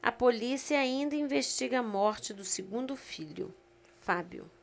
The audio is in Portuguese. a polícia ainda investiga a morte do segundo filho fábio